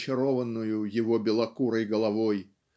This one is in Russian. очарованную его белокурой головой